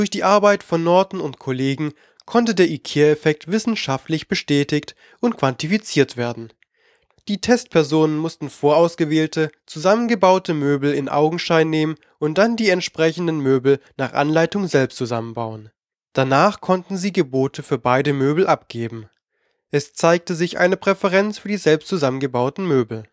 die Arbeit von Norton und Kollegen konnte der IKEA-Effekt wissenschaftlich bestätigt und quantifiziert werden: Die Testpersonen mussten vorausgewählte, zusammengebaute Möbel in Augenschein nehmen und dann die entsprechenden Möbel nach Anleitung selbst zusammenbauen. Danach konnten sie Gebote für beide Möbel abgeben. Es zeigt sich eine Präferenz für die selbst zusammengebauten Möbel